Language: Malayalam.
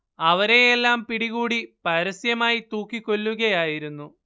അവരെയെല്ലാം പിടികൂടി പരസ്യമായി തൂക്കിക്കൊല്ലുകയായിരുന്നു